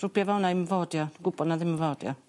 na 'im fo 'di o. dw'n gwbo 'na ddim yfo di o.